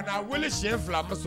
Ka wele siɲɛ 2 a ma sɔn